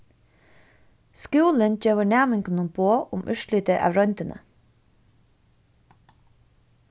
skúlin gevur næmingunum boð um úrslitið av royndini